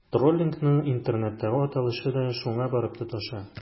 Троллингның интернеттагы аталышы да шуңа барып тоташа.